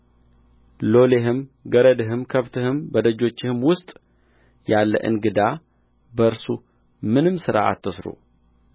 ሎሌህም ገረድህም ከብትህም በደጆችህም ውስጥ ያለ እንግዳ በእርሱ ምንም ሥራ አትሥሩ